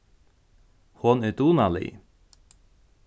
hon er dugnalig